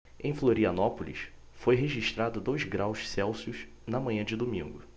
em florianópolis foi registrado dois graus celsius na manhã de domingo